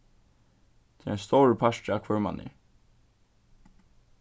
tað er ein stórur partur av hvør mann er